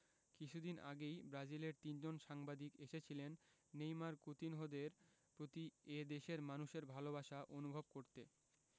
কিছুদিন আগেই ব্রাজিলের তিনজন সাংবাদিক এসেছিলেন নেইমার কুতিনহোদের প্রতি এ দেশের মানুষের ভালোবাসা অনুভব করতে